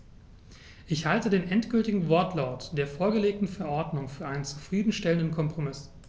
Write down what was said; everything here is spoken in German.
Ich halte den endgültigen Wortlaut der vorgelegten Verordnung für einen zufrieden stellenden Kompromiss.